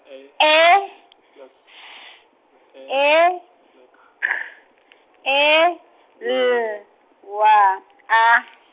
E S E K E L W A.